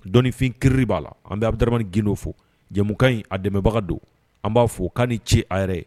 Dɔnifin kiiriri b'a la an bɛ a bɛmani gdo fo jɛkan in a dɛmɛbaga don an b'a fɔ k' ni ce a yɛrɛ ye